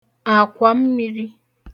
àkwàmmīrī